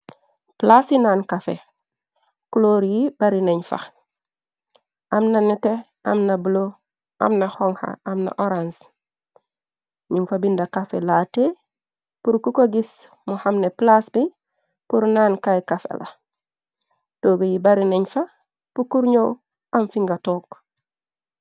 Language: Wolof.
Plasi naan kafe, cloor yi bari nañ fa. Am na nete, amna buloh, amna xonxa, amna orange. Nung fa binda kafe laate, pur ku ko gis mu xamne plaas bi pur naan kay kafe la. Toogu yi bari nañ fa pur ku ñoow am fi nga took.